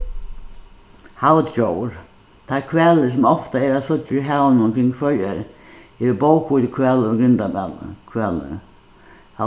havdjór teir hvalir sum ofta eru at síggja í havinum kring føroyar eru bóghvítuhvalur og hvalur